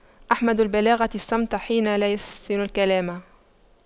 أحمد البلاغة الصمت حين لا يَحْسُنُ الكلام